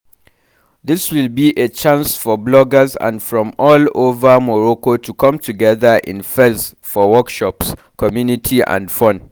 This will be a chance for bloggers from all over Morocco to come together in Fez for workshops, community, and fun.